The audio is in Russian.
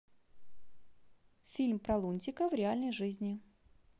фильм про лунтика в реальной жизни